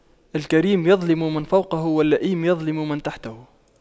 الكريم يظلم من فوقه واللئيم يظلم من تحته